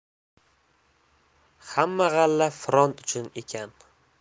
hamma g'alla front uchun ekan